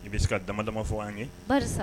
I bɛ se ka dama damama fɔ an ye